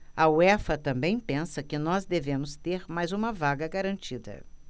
a uefa também pensa que nós devemos ter mais uma vaga garantida